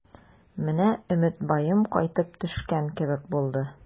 Менә Өметбаем кайтып төшкән кебек булды.